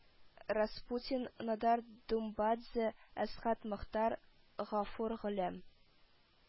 Распутин, Нодар Думбадзе, Әсгать Мохтар, Гафур Голәм